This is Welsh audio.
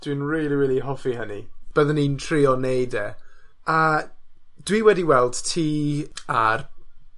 Dwi'n rili rili hoffi hynny. Byddwn i'n trio neud e, a dwi wedi weld ti ar